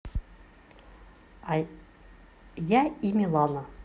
я и милана